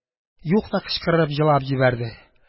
Юхна кычкырып елап җибәрде: